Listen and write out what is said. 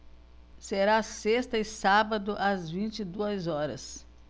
será sexta e sábado às vinte e duas horas